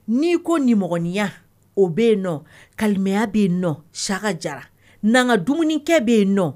N'i ko nimɔgɔninya o bɛ yen nɔ kaliya bɛ yen nɔ saka jara nanga dumunikɛ bɛ yen nɔ